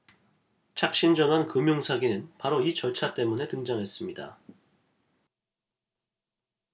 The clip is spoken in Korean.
착신전환 금융사기는 바로 이 절차 때문에 등장했습니다